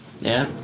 Ie?